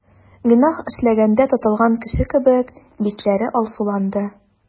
Гөнаһ эшләгәндә тотылган кеше кебек, битләре алсуланды.